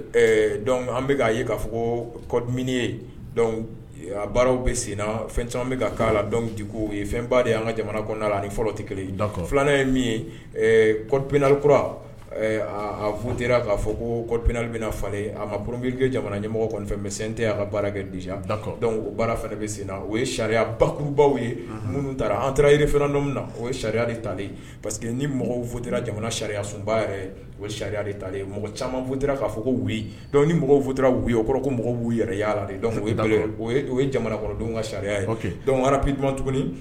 An bɛ ye k'a fɔ kɔ baaraw bɛ sen fɛn caman bɛ'a lako ye fɛn de y' ka jamana la fɔlɔ tɛ kelen filanan ye min ye kɔpinali kura k'a fɔ kopinali bɛna falenle a make jamana ɲɛmɔgɔ mɛ tɛ an ka baara kɛ da o bɛ senina o ye sariya babaw ye minnu taara an taara yiri fana don min na o sariya ta pa que ni mɔgɔw jamana sariya sunba o sariya ta mɔgɔ caman fɔ ko dɔnku ni mɔgɔwfu o kɔrɔ ko yɛrɛ' o ye jamanakɔrɔdenw ka sariya ye dɔnku p duman tuguni